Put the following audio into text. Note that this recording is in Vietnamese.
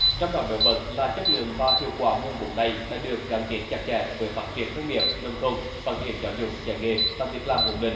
trong đó nổi bật là chất lượng và hiệu quả nguồn vốn này đã được gắn kết chặt chẽ với phát triển nông nghiệp nông thôn phát triển giáo dục dạy nghề tạo việc làm ổn định